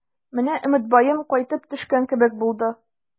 Менә Өметбаем кайтып төшкән кебек булды.